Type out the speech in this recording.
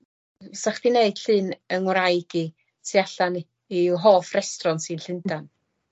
'sych di'n neud llun 'yn ngwraig i tu allan i'w hoff restraunt sy'n Llundan.